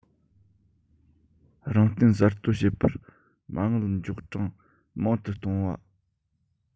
རང བརྟེན གསར གཏོད བྱེད པར མ དངུལ འཇོག གྲངས མང དུ གཏོང བ